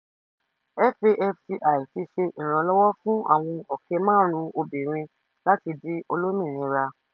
FAFCI ti ṣe ìrànlọ́wọ́ fún àwọn obìnrin 100,000 láti di olómìnira.